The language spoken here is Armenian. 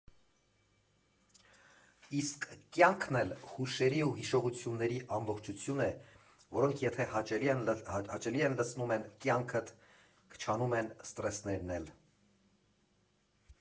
Իսկ կյանքն էլ հուշերի ու հիշողությունների ամբողջություն է, որոնք եթե հաճելի են լցնում են կյանքդ, քչանում են սթրեսներն էլ։